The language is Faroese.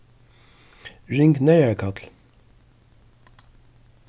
ring neyðarkall